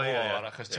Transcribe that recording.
y môr achos